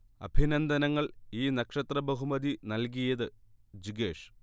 അഭിനന്ദനങ്ങൾ ഈ നക്ഷത്ര ബഹുമതി നൽകിയത് ജിഗേഷ്